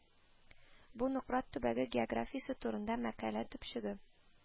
Бу Нократ төбәге географиясе турында мәкалә төпчеге